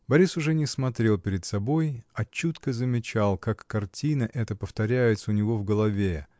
Борис уже не смотрел перед собой, а чутко замечал, как картина эта повторяется у него в голове